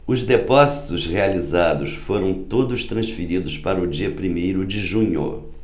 os depósitos realizados foram todos transferidos para o dia primeiro de junho